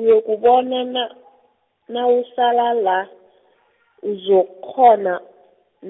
uyokubona na- , nawusala la, uzokukghona